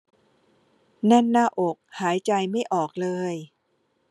แน่นหน้าอกหายใจไม่ออกเลย